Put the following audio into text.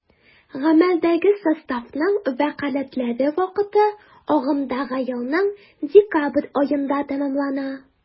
Гамәлдәге составның вәкаләтләре вакыты агымдагы елның декабрь аенда тәмамлана.